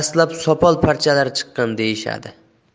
sopol parchalari chiqqan deyishadi